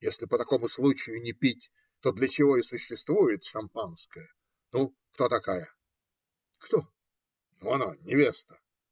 Если по такому случаю не пить, то для чего и существует шампанское?. Ну, кто такая? - Кто? - Ну, она, невеста.